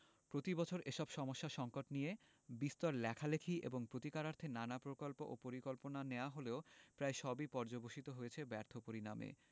প্রতিবছর এসব সমস্যা সঙ্কট নিয়ে বিস্তর লেখালেখি এবং প্রতিকারার্থে নানা প্রকল্প ও পরিকল্পনা নেয়া হলেও প্রায় সবই পর্যবসিত হয়েছে ব্যর্থ পরিণামে